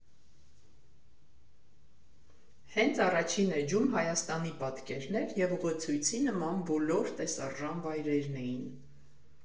Հենց առաջին էջում Հայաստանի պատկերն էր և ուղեցույցի նման բոլոր տեսարժան վայրերն էին։